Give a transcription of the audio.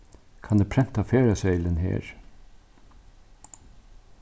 kann eg prenta ferðaseðilin her